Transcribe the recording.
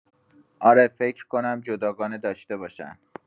اره فکر کنم جداگانه داشته باشن